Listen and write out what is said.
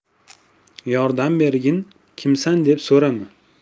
yordam bergin kimsan deb so'rama